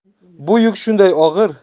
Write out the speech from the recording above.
bu yuk shunday og'ir